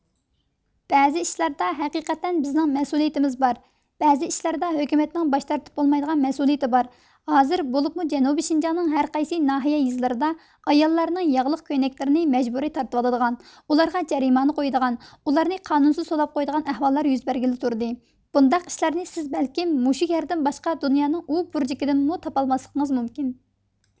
بەزى ئىشلاردا ھەقىقەتەن بىزنڭ مەسئۇلىيتىمىز بار بەزى ئىشلاردا ھۆكۈمەتنڭ باش تارتىپ بولمايدىغان مەسئۇلىيتى بار ھازىر بۇلۇپمۇ جەنۇبى شىنجاڭنىڭ ھەر قايسى ناھىيە يېزىلىردا ئاياللارنڭ ياغلىق كۆينەكلىرنى مەجبۇرى تارتىۋالىدىغان ئۇلارغا جەرىمانە قويىدىغان ئۇلارنى قانۇسىز سولاپ قويىدىغان ئەھۋاللار يۈز بەرگىلى تۇردى بۇنداق ئىشلارنى سىز بەلكىم مۇشۇ يەردىن باشقا دۇنيانىڭ ئۇبۇرجىكىدىنمۇ تاپالماسلقىڭىز مۇمكىن